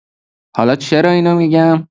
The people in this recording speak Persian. حالا چرا اینو می‌گم؟